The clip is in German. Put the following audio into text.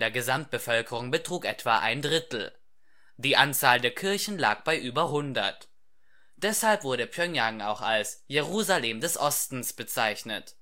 Gesamtbevölkerung betrug etwa ein Drittel. Die Anzahl der Kirchen lag bei über 100. Deshalb wurde Pjöngjang auch als „ Jerusalem des Ostens “bezeichnet